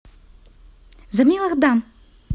за милых дам